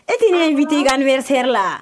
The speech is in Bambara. E tɛ ne invité i ka anniversaire la.